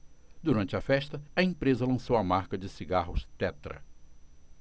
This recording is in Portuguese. durante a festa a empresa lançou a marca de cigarros tetra